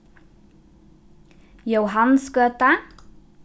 jóhansgøta